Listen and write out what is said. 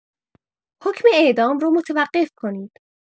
حکم اعدام رو متوقف کنید.